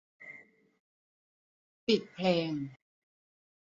ปิดเพลง